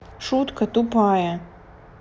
шутка тупая